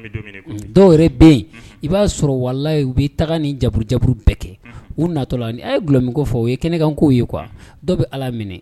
I b'a sɔrɔ u bɛ taga ni jauru jauru bɛɛ kɛ utɔ la a yelɔ min fɔ o ye kɛnɛkanko ye dɔw bɛ ala minɛ